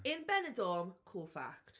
In Benidorm, cool fact.